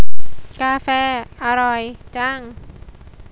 กาแฟอร่อยจัง